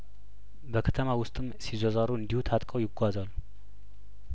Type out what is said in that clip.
በከተማ ውስጥም ሲዟዟሩ እንዲሁ ታጥቀው ይጓዛሉ